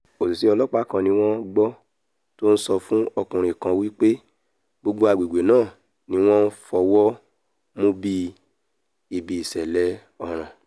Òṣìṣẹ́ ọlọ́ọ̀pá kan ni wọn gbọ́ tí ó ńsọ fún ọkùnrin kan wí pé gbogbo agbègbè náà ni wọn ńfọwọ́ mú bíi ibi ìṣẹ̀lẹ̀ ọ̀ràn.